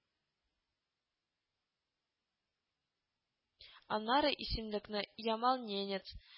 Аннары исемлекне Ямал-Ненец